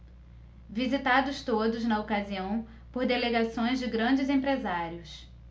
visitados todos na ocasião por delegações de grandes empresários